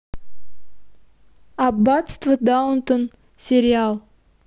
аббатство даунтон сериал